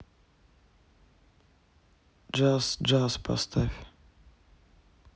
джаз джаз поставь